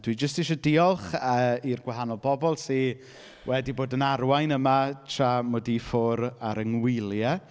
Dwi jyst isie diolch yy i'r gwahanol bobl sy wedi bod yn arwain yma tra mod i ffwr' ar 'y ngwyliau.